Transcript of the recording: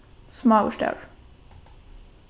smáur stavur